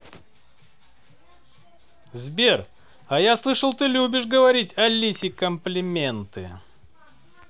сбер а я слышал ты любишь говорить алисе комплименты